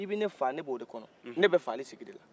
i ko k'i bɛ ne faa ne b'o kɔnɔ ne bɛ faali sigi dela